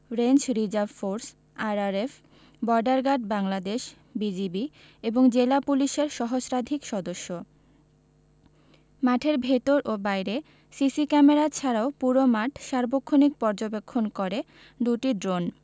range reserve force RRF border guard Bangladesh BGB এবং জেলা পুলিশের সহস্রাধিক সদস্য মাঠের ভেতর ও বাইরে সিসি ক্যামেরা ছাড়াও পুরো মাঠ সার্বক্ষণিক পর্যবেক্ষণ করে দুটি ড্রোন